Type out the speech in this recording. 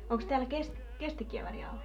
onkos täällä - kestikievaria ollut